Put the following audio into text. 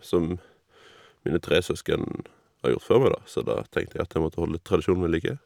Som mine tre søsken har gjort før meg, da, så da tenkte jeg at jeg måtte holde tradisjonen ved like.